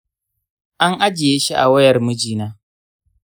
an ajiye shi a wayar mijina.